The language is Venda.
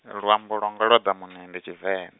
luambo lwanga lwa ḓamuni ndi Tshiven-.